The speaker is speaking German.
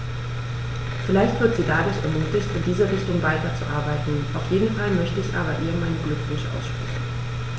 Vielleicht wird sie dadurch ermutigt, in diese Richtung weiterzuarbeiten, auf jeden Fall möchte ich ihr aber meine Glückwünsche aussprechen.